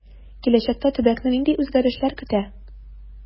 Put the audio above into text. Киләчәктә төбәкне нинди үзгәрешләр көтә?